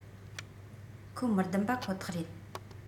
ཁོ མི བདམས པ ཁོ ཐག རེད